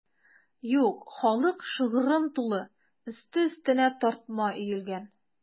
Юк, халык шыгрым тулы, өсте-өстенә тартма өелгән.